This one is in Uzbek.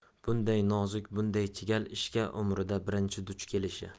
bunday nozik bunday chigal ishga umrida birinchi duch kelishi